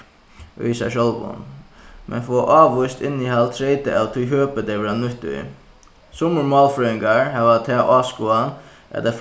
í sær sjálvum men fáa ávíst innihald treytað av tí høpi tey verða nýtt í summir málfrøðingar hava ta áskoðan at eitt